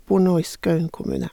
Bor nå i Skaun kommune.